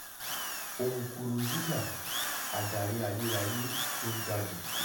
Nkurunziza,' Adarí ayérayé tó ga jù'